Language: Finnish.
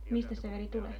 mistäs se veri tulee